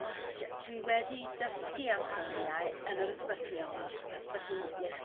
O dwi wedi dysgu am hawliau yn yr ysbyty yma ysbyty iechyd